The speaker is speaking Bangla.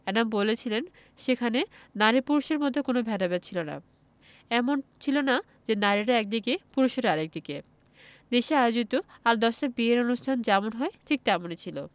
এনাম বলছিলেন সেখানে নারী পুরুষের মধ্যে কোনো ভেদাভেদ ছিল না এমন ছিল না যে নারীরা একদিকে পুরুষেরা আরেক দিকে দেশে আয়োজিত আর দশটা বিয়ের অনুষ্ঠান যেমন হয় ঠিক তেমনি ছিল